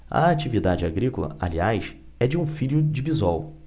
a atividade agrícola aliás é de um filho de bisol